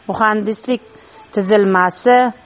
muhandislik tuzilmasi